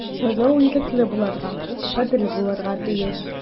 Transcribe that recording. Сайлау ирекле булырга, гадел булырга тиеш.